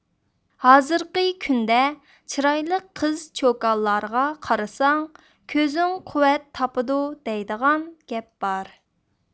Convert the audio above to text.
ھازىرقى كۈندە چىرايلىق قىز چوكانلارغا قارىساڭ كۆزۈڭ قۇۋۋەت تاپىدۇ دەيدىغان گەپ بار